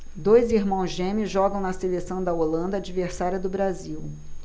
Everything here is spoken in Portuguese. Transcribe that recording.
dois irmãos gêmeos jogam na seleção da holanda adversária do brasil